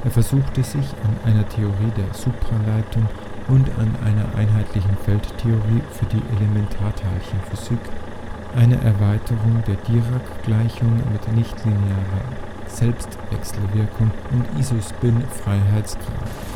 versuchte sich an einer Theorie der Supraleitung und an einer einheitlichen Feldtheorie für die Elementarteilchenphysik, einer Erweiterung der Dirac-Gleichung mit nichtlinearer Selbstwechselwirkung und Isospin-Freiheitsgrad